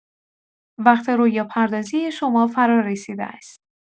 وقت رویاپردازی شما فرارسیده است.